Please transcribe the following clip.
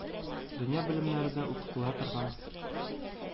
Дөнья белемнәре дә укытыла торган